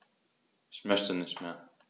Ich möchte nicht mehr.